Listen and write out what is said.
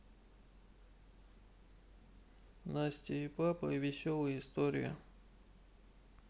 настя и папа и веселые истории